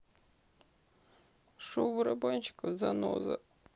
шоу барабанщиков заноза